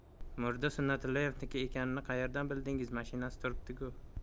murda sunnatullaevniki ekanini qaerdan bildingiz mashinasi turibdi ku